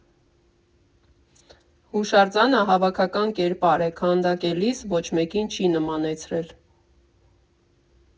Հուշարձանը հավաքական կերպար է. քանդակելիս ոչ մեկին չի նմանեցրել։